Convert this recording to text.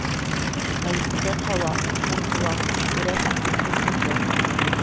– гаепкә калам, хур булам, күрәсең, – дип куркынды